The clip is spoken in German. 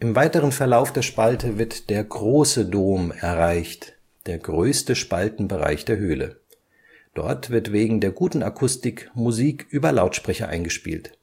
weiteren Verlauf der Spalte wird der große Dom erreicht, der größte Spaltenbereich der Höhle. Dort wird wegen der guten Akustik Musik über Lautsprecher eingespielt